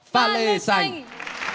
ba lê xanh